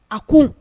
A ko